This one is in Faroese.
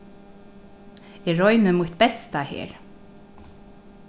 eg royni mítt besta her